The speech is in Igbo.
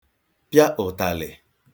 pịa ụ̀tàlị̀